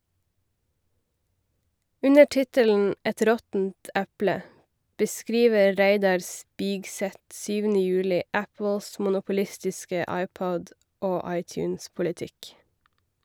Under tittelen "Et råttent eple" beskriver Reidar Spigseth 7. juli Apples monopolistiske iPod- og iTunes-politikk.